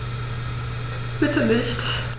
Bitte nicht.